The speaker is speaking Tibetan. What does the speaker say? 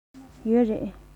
ཡོད རེད